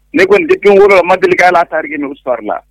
Ne ko n tɛ dunkɔrɔ la ma deli la a tari n u sarari la